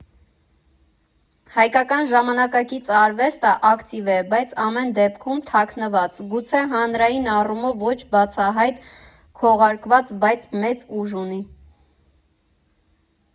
Հայկական ժամանակակից արվեստը ակտիվ է, բայց ամեն դեպքում՝ թաքնված, գուցե հանրային առումով ոչ բացահայտ, քողարկված, բայց մեծ ուժ ունի։